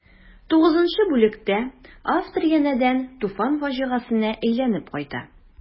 Тугызынчы бүлектә автор янәдән Туфан фаҗигасенә әйләнеп кайта.